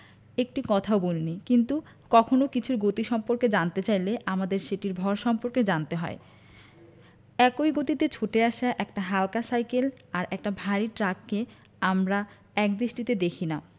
একটি কথাও বলিনি কিন্তু কখোনো কিছুর গতি সম্পর্কে জানতে চাইলে আমাদের সেটির ভর সম্পর্কে জানতে হয় একই গতিতে ছুটে আসা একটা হালকা সাইকেল আর একটা ভারী ট্রাককে আমরা একদিষ্টিতে দেখি না